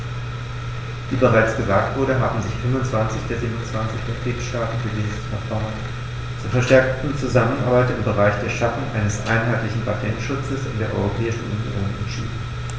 Wie bereits gesagt wurde, haben sich 25 der 27 Mitgliedstaaten für dieses Verfahren zur verstärkten Zusammenarbeit im Bereich der Schaffung eines einheitlichen Patentschutzes in der Europäischen Union entschieden.